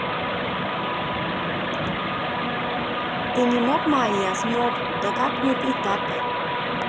ты не мог майя смог да как мы так